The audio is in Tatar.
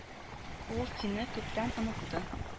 Ул сине күптән онытты